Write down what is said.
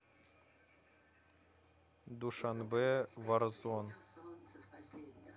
душанбе warzone